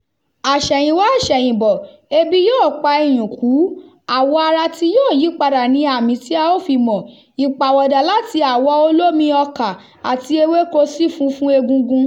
Àṣèyìnwá àṣẹ̀yìnbọ̀, ebi yóò pa iyùn kú; àwọ̀ ara tí yóò yí padà ni àmì tí a ó fi mọ̀, ìpàwọ̀dà láti àwọ̀ olómi-ọkà àti ewéko sí funfun egungun.